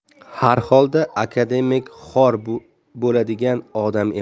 harholda akademik xor bo'ladigan odam emas